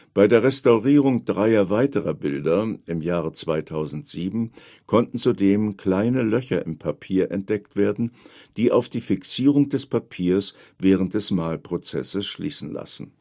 Bei der Restaurierung dreier weiterer Bilder im Jahr 2007 konnten zudem kleine Löcher im Papier entdeckt werden, die auf die Fixierung des Papiers während des Malprozesses schließen lassen